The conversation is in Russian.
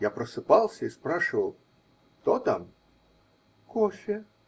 Я просыпался и спрашивал: -- Кто там? -- Кофе.